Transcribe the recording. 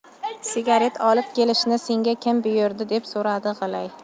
sigaret olib kelishni senga kim buyurdi deb so'radi g'ilay